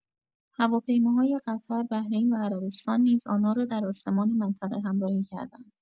هواپیماهای قطر، بحرین و عربستان نیز آن‌ها را در آسمان منطقه همراهی کردند.